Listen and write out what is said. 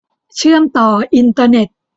เชื่อมต่ออินเตอร์เน็ต